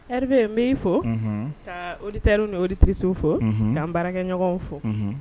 Erwe n b' fɔ, unhun, ka auditeurs et auditrices fo, unhun , ka n baarakɛɲɔgɔnw fɔ, unhun.